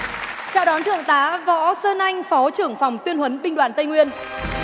chào đón thượng tá võ sơn anh phó trưởng phòng tuyên huấn binh đoàn tây nguyên